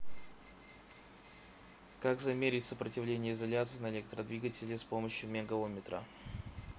как замерить сопротивление изоляции на электродвигатели с помощью мегаомметра